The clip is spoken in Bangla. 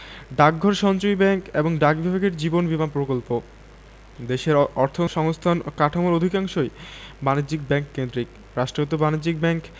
ডাকঘর সঞ্চয়ী ব্যাংক এবং ডাক বিভাগের জীবন বীমা প্রকল্প দেশের অর্থসংস্থান কাঠামোর অধিকাংশই বাণিজ্যিক ব্যাংক কেন্দ্রিক রাষ্ট্রায়ত্ত বাণিজ্যিক ব্যাংক